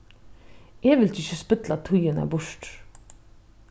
eg vildi ikki spilla tíðina burtur